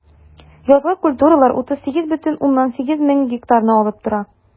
Язгы культуралар 38,8 мең гектарны алып тора.